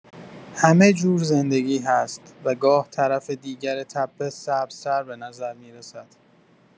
همه‌جور زندگی هست، و گاه طرف دیگر تپه سبزتر به نظر می‌رسد.